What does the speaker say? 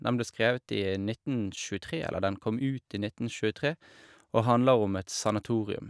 den ble skrevet i nitten tjuetre eller Den kom ut i nitten tjuetre, og handler om et sanatorium.